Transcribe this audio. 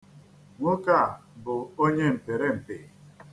Nwoke a bụ onye mpịrịmpị.